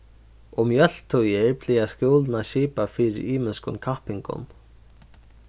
um jóltíðir plagar skúlin at skipa fyri ymiskum kappingum